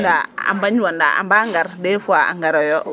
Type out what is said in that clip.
nda a mbañ nda a mba ŋar dés fois a ŋaroyo